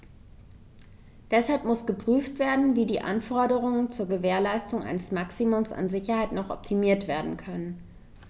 Deshalb muss geprüft werden, wie die Anforderungen zur Gewährleistung eines Maximums an Sicherheit noch optimiert werden können.